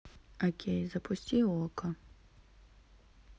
окей запусти окко